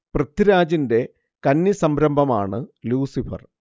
പൃഥ്വിരാജിന്റെ കന്നി സംരംഭമാണ് ലൂസിഫർ